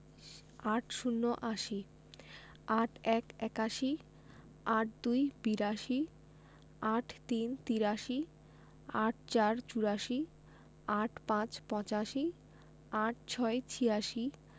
৮০ - আশি ৮১ – একাশি ৮২ – বিরাশি ৮৩ – তিরাশি ৮৪ – চুরাশি ৮৫ – পঁচাশি ৮৬ – ছিয়াশি